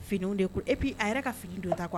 Finiw de kun epi a yɛrɛ ka fini donta kuwa.